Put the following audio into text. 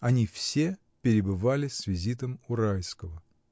Они все перебывали с визитом у Райского.